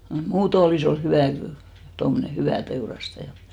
noin muuten olisi oli hyvä kyllä tuommoinen hyvä teurastaja